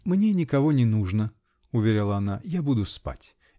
-- Мне никого не нужно, -- уверяла она, -- я буду спать.